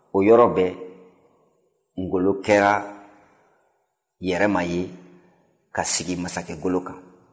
o yɔrɔ bɛɛ ngɔlɔ kɛra yɛrɛma ye ka sigi masakɛ golo kan